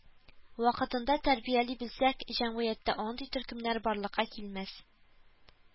Вакытында тәрбияли белсәк, җәмгыятьтә андый төркемнәр барлыкка килмәс